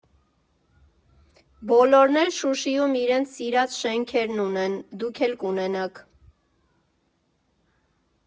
Բոլորն էլ Շուշիում իրենց սիրած շենքերն ունեն, դուք էլ կունենաք։